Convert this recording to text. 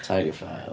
Tigerphile.